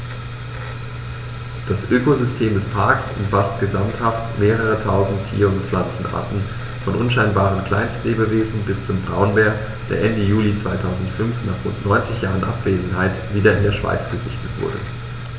Das Ökosystem des Parks umfasst gesamthaft mehrere tausend Tier- und Pflanzenarten, von unscheinbaren Kleinstlebewesen bis zum Braunbär, der Ende Juli 2005, nach rund 90 Jahren Abwesenheit, wieder in der Schweiz gesichtet wurde.